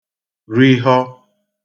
rihọ